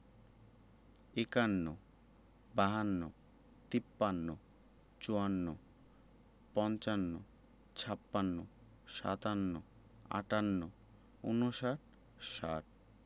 ৫১ – একান্ন ৫২ - বাহান্ন ৫৩ - তিপ্পান্ন ৫৪ - চুয়ান্ন ৫৫ – পঞ্চান্ন ৫৬ – ছাপ্পান্ন ৫৭ – সাতান্ন ৫৮ – আটান্ন ৫৯ - ঊনষাট ৬০ - ষাট